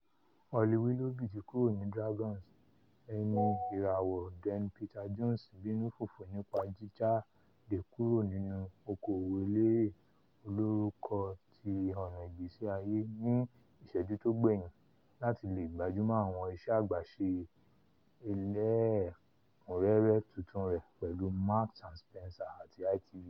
Holly Willoughby ti kúrò ni Dragons'' eni ìràwọ̀ Den Peter Jones ńbínú fùfù nípa jíjáde kúrò nínú oko-òwò elérè olórúkọ ti ọ̀nà ìgbésí-ayé ní ìṣẹ́jú tó gbẹ̀yìn - láti leè gbájúmọ́ àwọn iṣẹ́ àgbàṣe ẹlẹ́ẹ̀kúnrẹ́rẹ́ tuntun rẹ̀ pẹ̀lú Marks and Spencer àti ITV.